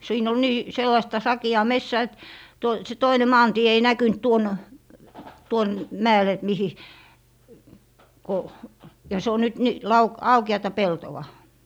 siinä oli niin sellaista sakeaa metsää että - se toinen maantie ei näkynyt tuonne tuonne mäelle että mihin kun ja se on nyt -- aukeata peltoa